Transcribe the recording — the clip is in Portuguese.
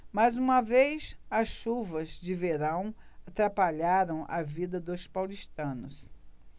mais uma vez as chuvas de verão atrapalharam a vida dos paulistanos